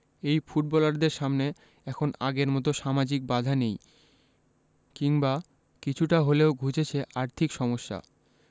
এই ফুটবলারদের সামনে এখন আগের মতো সামাজিক বাধা নেই কিংবা কিছুটা হলেও ঘুচেছে আর্থিক সমস্যা